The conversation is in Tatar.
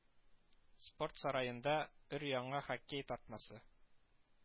Спорт сарае нда өр-яңа хоккей тартмасы